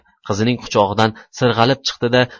qizining quchog'idan sirg'atib chiqdi da